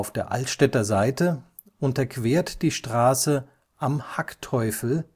der Altstädter Seite unterquert die Straße Am Hackteufel